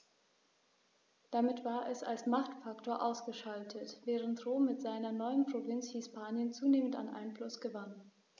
Damit war es als Machtfaktor ausgeschaltet, während Rom mit seiner neuen Provinz Hispanien zunehmend an Einfluss gewann.